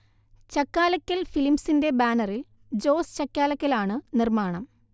ചക്കാലക്കൽ ഫിലിമ്സിൻെറ ബാനറിൽ ജോസ് ചക്കാലക്കലാണ് നിർമ്മാണം